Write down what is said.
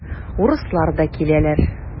Урыслар да киләләр.